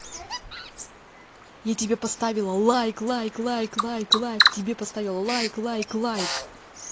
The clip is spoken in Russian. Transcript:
я тебе поставила лайк лайк лайк лайк лайк тебе поставила лайк лайк лайк